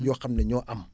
yoo xam ne ñoo am